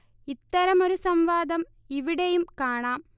ഇത്തരം ഒരു സംവാദം ഇവിടെയും കാണാം